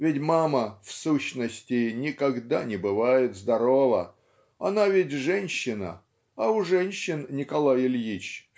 - Ведь мама, в сущности, никогда не бывает здорова. Она ведь женщина а у женщин Николай Ильич